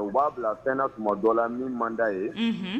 U b'a bila fɛnna tuma dɔ la min manda ye